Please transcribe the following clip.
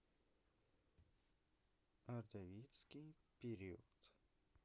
ордовикский период